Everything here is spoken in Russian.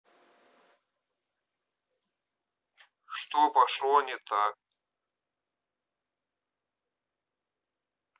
что пошло не так